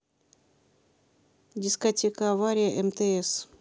дискотека авария мтс